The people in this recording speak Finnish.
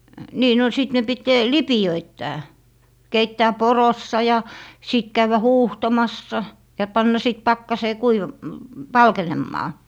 niin no sitten ne piti lipeöittää keittää porossa ja sitten käydä huuhtomassa ja panna sitten pakkaseen - valkenemaan